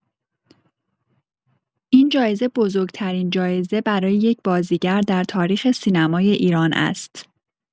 این جایزه بزرگ‌ترین جایزه برای یک بازیگر در تاریخ سینمای ایران است.